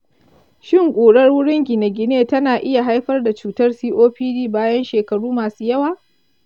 shin ƙurar wurin gine-gine tana iya haifar da cutar copd bayan shekaru masu yawa?